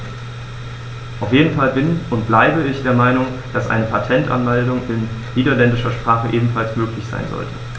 Auf jeden Fall bin - und bleibe - ich der Meinung, dass eine Patentanmeldung in niederländischer Sprache ebenfalls möglich sein sollte.